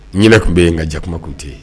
Ɲin tun bɛ yen ka jakuma tun tɛ yen